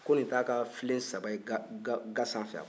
ko ni t'a ka filen saba ye ga san fɛ wa